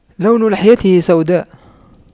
لون لحيته سوداء